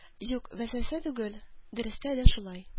Юк, вәсвәсә түгел, дөрестә дә шулай.